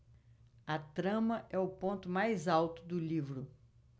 a trama é o ponto mais alto do livro